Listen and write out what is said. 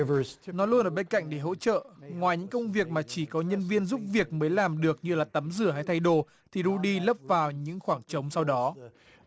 nó luôn ở bên cạnh để hỗ trợ ngoài những công việc mà chỉ có nhân viên giúp việc mới làm được như là tắm rửa thay đồ thì đu đi lấp vào những khoảng trống sau đó